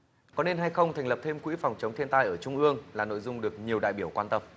có nên hay không thành lập thêm quỹ phòng chống thiên tai ở trung ương là nội dung được nhiều đại biểu quan tâm